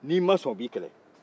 n'i ma son u t'i kɛlɛ